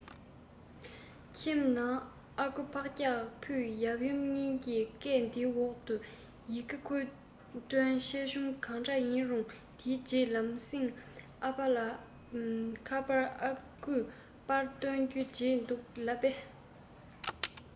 ཁྱིམ ནང ཨ ཁུ ཕག སྐྱག ཕུད ཡབ ཡུམ གཉིས ཀྱི སྐད དེའི འོག ཏུ ཡི གེ ཁོས དོན ཆེ ཆུང གང འདྲ ཡིན རུང དེའི རྗེས ལམ སེང ཨ ཕ ལ ཁ པར ཨ ཁུས པར བཏོན རྒྱུ བརྗེད འདུག ལབ པས